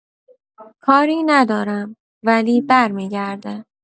کاری ندارم ولی برمی‌گرده